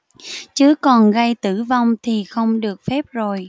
chứ còn gây tử vong thì không được phép rồi